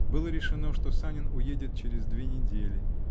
Было решено, что Санин уедет через две недели.